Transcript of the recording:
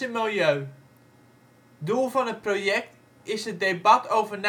milieu. Doel van het project is het debat over